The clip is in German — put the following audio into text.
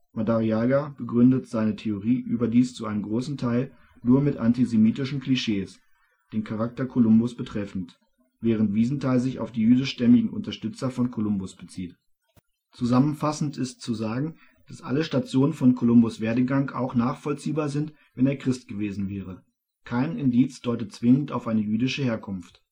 Madariaga begründet seine Theorie überdies zu einem großen Teil nur mit antisemitischen Klischees den Charakter Kolumbus betreffend, während Wiesenthal sich auf die jüdischstämmigen Unterstützer von Kolumbus bezieht. Zusammenfassend ist zu sagen, dass alle Stationen von Kolumbus ' Werdegang auch nachvollziehbar sind, wenn er Christ gewesen wäre. Kein Indiz deutet zwingend auf eine jüdische Herkunft